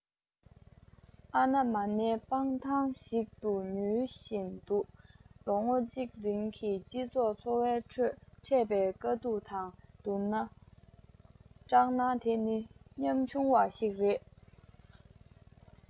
ཨ ན མ ནའི སྤང ཐང ཞིག ཏུ ཉུལ བཞིན འདུག ལོ ངོ གཅིག རིང གི སྤྱི ཚོགས འཚོ བའི ཁྲོད འཕྲད པའི དཀའ སྡུག དང བསྡུར ན སྐྲག སྣང དེ ནི ཉམ ཆུང བ ཞིག རེད